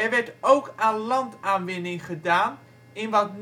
werd ook aan landaanwinning gedaan in wat